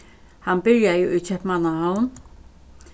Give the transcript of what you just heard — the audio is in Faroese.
hann byrjaði í keypmannahavn